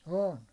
on